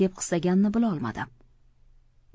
deb qistaganini bilolmadim